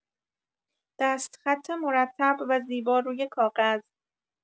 دست‌خط مرتب و زیبا روی کاغذ